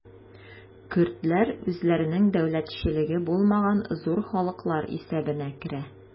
Көрдләр үзләренең дәүләтчелеге булмаган зур халыклар исәбенә керә.